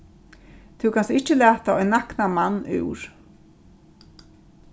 tú kanst ikki lata ein naknan mann úr